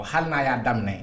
O hali n'a y'a daminɛ ye